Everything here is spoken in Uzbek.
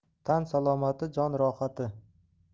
tan salomati jon rohati